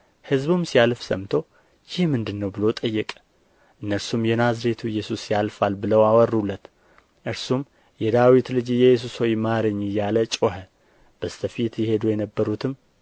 ሕዝብም ሲያልፍ ሰምቶ ይህ ምንድር ነው ብሎ ጠየቀ እነርሱም የናዝሬቱ ኢየሱስ ያልፋል ብለው አወሩለት እርሱም የዳዊት ልጅ ኢየሱስ ሆይ ማረኝ እያለ ጮኸ በስተ ፊት ይሄዱ የነበሩትም